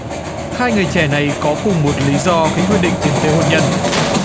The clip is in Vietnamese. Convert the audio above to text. hai người trẻ này có cùng một lý do khi quyết định tiến tới hôn nhân